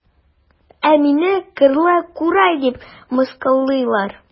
Ә мине кырлы курай дип мыскыллыйлар.